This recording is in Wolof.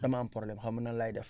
damaa am problème xaw ma nan laay def